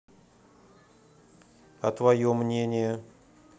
а твое мнение